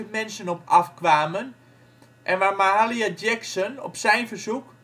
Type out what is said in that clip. mensen op af kwamen en waar Mahalia Jackson op zijn verzoek